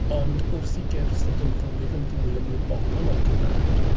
Ond wrth i gyrff ddod yn fwy ac yn fwy ymwybodol o'r Gymraeg...